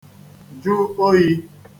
-jụ ōyī